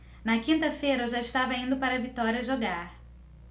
na quinta-feira eu já estava indo para vitória jogar